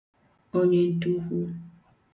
onyentukwu